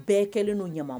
Bɛɛ kɛlen n'o ɲama